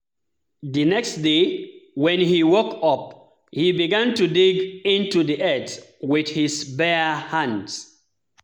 The next day, when he woke up, he began to dig into the earth with his bare hands.